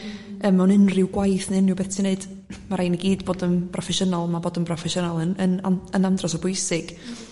yy mewn unrhyw gwaith ne unrhyw beth ti'n neud ma' rai' ni gyd bod yn broffesiynol ma' bod yn broffesiynol yn... yn andros o bwysig